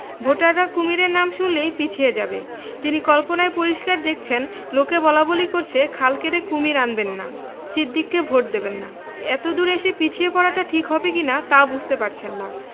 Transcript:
ভোটাররা কুমীরের নাম শুনলেই পিছিয়ে যাবে তিনি কল্পনায় পরিষ্কার দেখছেন লোকে বলাবলি করছে খাল কেটে কুশীর আনবেন না সিদ্দিককে ভোট দেবেন না এতদূর এসে পিছিয়ে পড়াটা ঠিক হবে কি না তাও বুঝতে পারছেন না